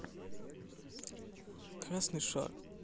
красный шар